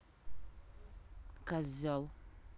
козел